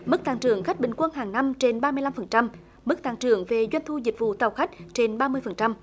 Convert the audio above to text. mức tăng trưởng khách bình quân hằng năm trên ba mươi lăm phần trăm mức tăng trưởng về doanh thu dịch vụ tàu khách trên ba mươi phần trăm